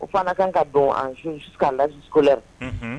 O fana kan ka don an k' lasiko la